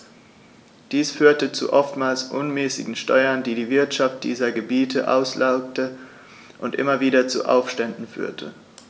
Dies führte zu oftmals unmäßigen Steuern, die die Wirtschaft dieser Gebiete auslaugte und immer wieder zu Aufständen führte.